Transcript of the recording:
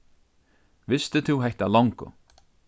visti tú hetta longu